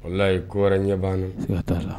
Walayi ko wɛrɛ ɲɛ ban nan. Siga ta la.